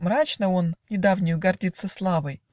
Мрачно он Недавнею гордится славой.